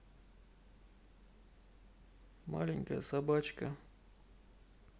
маленькая собачка